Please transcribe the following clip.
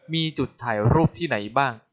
มีจุดถ่ายรูปที่ไหนบ้าง